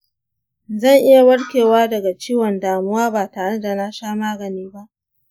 zan iya warkewa daga ciwon damuwa ba tare da na sha magani ba?